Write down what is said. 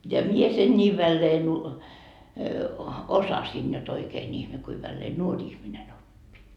ja minä sen niin väleen - osasin jotta oikein ihme kuinka väleen nuori ihminen oppi